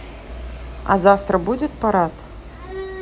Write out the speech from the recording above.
а завтра будет парад